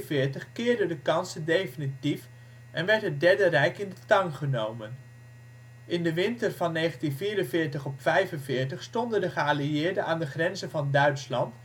1942/1943 keerden de kansen definitief en werd het Derde Rijk in de tang genomen. In de winter van 1944/1945 stonden de geallieerden aan de grenzen van Duitsland